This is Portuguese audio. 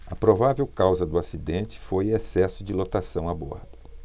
a provável causa do acidente foi excesso de lotação a bordo